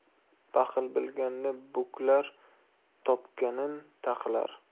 baxil bilganin buklar topganin taxlar